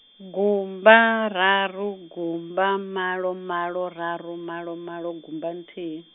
gumba raru gumba malo malo raru malo malo gumba nthihi.